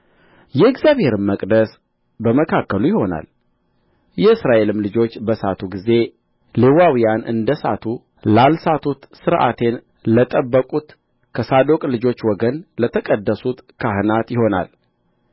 የእግዚአብሔርም መቅደስ በመካከሉ ይሆናል የእስራኤልም ልጆች በሳቱ ጊዜ ሌዋውያን እንደ ሳቱ ላልሳቱት ሥርዓቴን ለጠበቁት ከሳዶቅ ልጆች ወገን ለተቀደሱት ካህናት ይሆናል